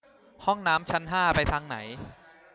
ห้องน้ำชั้นห้าไปทางไหน